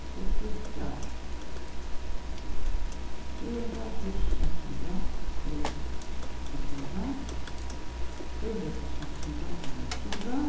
og tríggjar trý hundrað pluss seks hundrað er níggju hundrað trý hundrað pluss seks hundrað er níggju hundrað